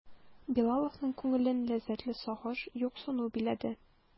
Билаловның күңелен ләззәтле сагыш, юксыну биләде.